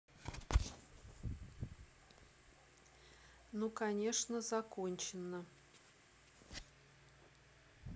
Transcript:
ну конечно законченно